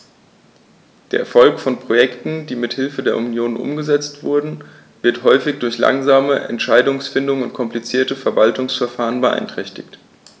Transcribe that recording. Der Erfolg von Projekten, die mit Hilfe der Union umgesetzt werden, wird häufig durch langsame Entscheidungsfindung und komplizierte Verwaltungsverfahren beeinträchtigt.